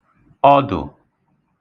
ọdụ̀